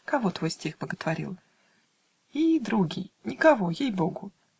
Кого твой стих боготворил?" И, други, никого, ей-богу!